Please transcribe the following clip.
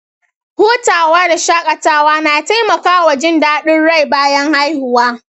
hutawa da shakatawa na taimaka wa jin daɗin rai bayan haihuwa.